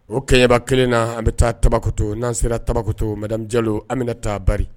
O kɛnɲɛba kelen na an bɛ taa tabakuto n'an sera ta kabato madajɛlo an bɛ taa ba